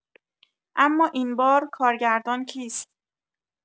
اما این بار کارگردان کیست؟